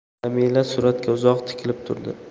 jamila suratga uzoq tikilib turdi